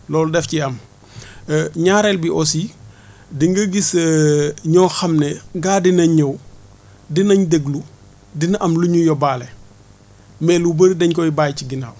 loolu daf ciy am ñaareel bi aussi di nga gis ñoo xam ne gaa dinañ ñëw dinañ déglu dina am lu ñu yóbbaale mais lu bëri dañ koy bàyyi ginnaaw